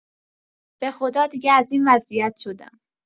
بخدا دیگه از این وضیعت شدم.